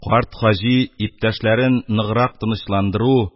Карт хаҗи, иптәшләрен ныграк тынычландыру,